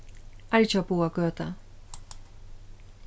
argjaboðagøta